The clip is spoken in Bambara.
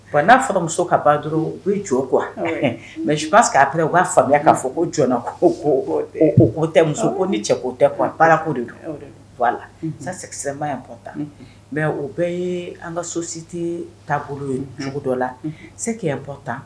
Bon n'a fɔra muso ka ba duuru u bɛ jɔ kuwa mɛ si' k'ap u'a faamuyaya'a fɔ ko jɔnna ko ko' tɛ muso ko ni cɛko tɛ kuwa baarako de don a lakisɛba ye bɔ tan mɛ o bɛɛ ye an ka sosi tɛ taabolo ye cogo dɔ la se bɔ tan